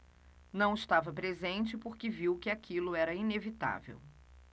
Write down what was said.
não estava presente porque viu que aquilo era inevitável